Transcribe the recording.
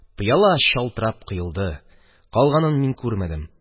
Пыяла чалтырап коелды, калганын мин күрмәдем.